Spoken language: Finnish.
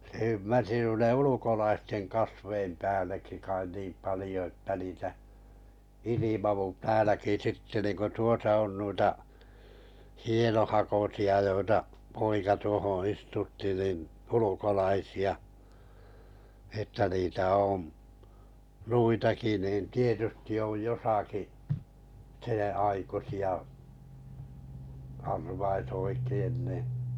se ymmärsi noiden ulkolaisten kasvien päällekin kai niin paljon että niitä ilmaantui täälläkin sitten niin kuin tuossa on on noita hienohakoisia joita poika tuohon istutti niin ulkolaisia että niitä on noitakin niin tietysti on jossakin senaikuisia arvaisi oikein niin